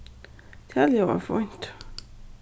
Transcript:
tað ljóðar fínt